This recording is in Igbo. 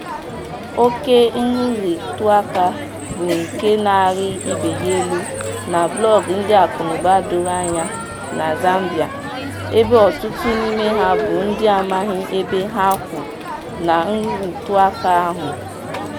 Oke nrụrịtaụka bụ nke na-arị ibe ya elu na blọọgụ ndị akụnaụba doro anya ná Zambia, ebe ọtụtụ n'ime ha bụ ndị amaghị ebe ha kwụ na nrụrịtaụka ahụ.